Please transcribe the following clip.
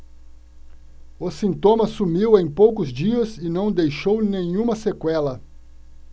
o sintoma sumiu em poucos dias e não deixou nenhuma sequela